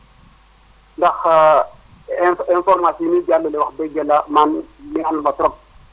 ndax in information yi muy jàllale wax dëgg yàlla man neex na ma trop